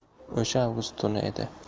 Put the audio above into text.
o'sha avgust tuni edi